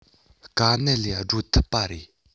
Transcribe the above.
དཀའ གནད ལས སྒྲོལ ཐུབ པ རེད